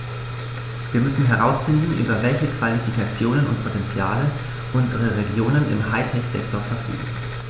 Wir müssen herausfinden, über welche Qualifikationen und Potentiale unsere Regionen im High-Tech-Sektor verfügen.